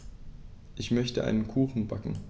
Ich möchte einen Kuchen backen.